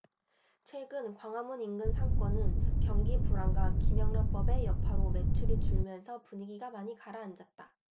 최근 광화문 인근 상권은 경기 불황과 김영란법의 여파로 매출이 줄면서 분위기가 많이 가라앉았다